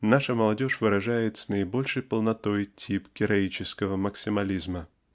наша молодежь выражает с наибольшей полнотой тип героического максимализма.